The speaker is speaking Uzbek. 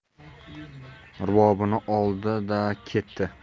rubobini oldi da ketdi